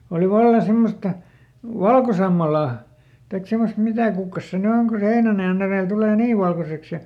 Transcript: oli vallan semmoista valkosammalaa tai semmoista mitä kukkasta se nyt on kun se heinänajan edellä tulee niin valkoiseksi ja